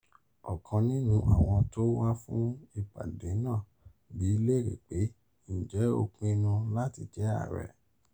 Ọ̀kan nínú àwọn tó ń wà fún ìpàdé náà bíi léèrè pé ǹjẹ́ ó ń pinnu láti jẹ ààrẹ?